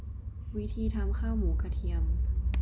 วิธีทำหมูกระเทียม